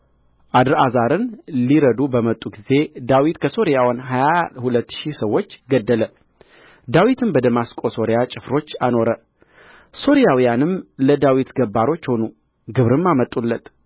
አድርአዛርን ሊረዱ በመጡ ጊዜ ዳዊት ከሶርያውያን ሀያ ሁለት ሺህ ሰዎች ገደለ ዳዊትም በደማስቆ ሶርያ ጭፍሮች አኖረ ሶርያውያንም ለዳዊት ገባሮች ሆኑ ግብርም አመጡለት